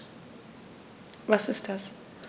Was ist das?